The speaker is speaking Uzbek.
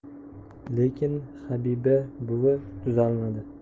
lekin habiba buvi tuzalmadi